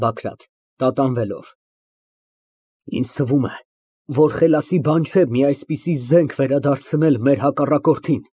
ԲԱԳՐԱՏ ֊ (Տատանվելով) Ինձ թվում է, որ խելացի բան չէ մի այսպիսի զենք վերադարձնել մեր հակառակորդին։